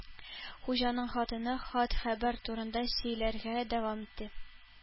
Хуҗаның хатыны хат-хәбәр турында сөйләргә дәвам итте